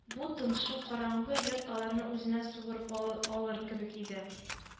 Бу тынчу, караңгы йорт аларны үзенә суырып алы алыр кебек иде